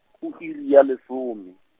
o iri ya lesome.